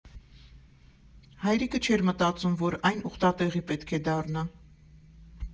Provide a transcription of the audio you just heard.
Հայրիկը չէր մտածում, որ այն ուխտատեղի պետք է դառնա.